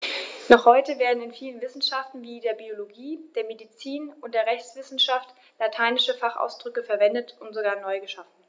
Noch heute werden in vielen Wissenschaften wie der Biologie, der Medizin und der Rechtswissenschaft lateinische Fachausdrücke verwendet und sogar neu geschaffen.